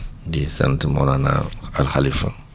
di sant Mawlana Al Khalifa